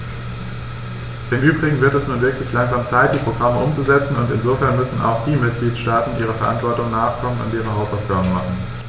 Im übrigen wird es nun wirklich langsam Zeit, die Programme umzusetzen, und insofern müssen auch die Mitgliedstaaten ihrer Verantwortung nachkommen und ihre Hausaufgaben machen.